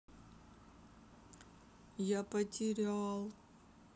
я потерял